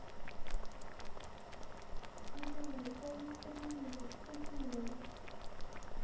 джой завис телевизор что делать